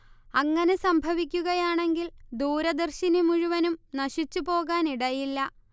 അങ്ങനെ സംഭവിക്കുകയാണെങ്കിൽ ദൂരദർശിനി മുഴുവനും നശിച്ചുപോകാനിടയില്ല